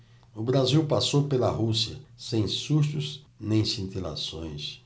o brasil passou pela rússia sem sustos nem cintilações